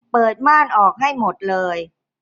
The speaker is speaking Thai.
เปิดม่านออกให้หมดเลย